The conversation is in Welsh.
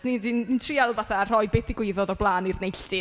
Ni 'di... ni'n trial fatha rhoi beth ddigwyddodd o'r blaen i'r neilltu.